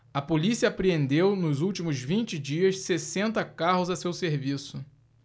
a polícia apreendeu nos últimos vinte dias sessenta carros a seu serviço